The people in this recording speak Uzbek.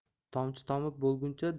tomchi tomib bo'lguncha